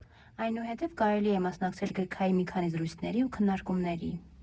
Այնուհետև կարելի է մասնակցել գրքային մի քանի զրույցների ու քննարկումների։